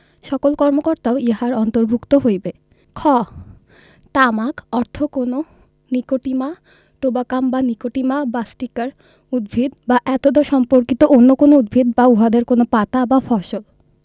সকল কর্মকর্তাও ইহার অন্তর্ভুক্ত হইবে খ তামাক অর্থ কোন নিকোটিমা টোবাকাম বা নিকোটিমা বাসটিকার উদ্ভিদ বা এতদ্ সম্পর্কিত অন্য কোন উদ্ছিদ বা উহাদের কোন পাতা বা ফসল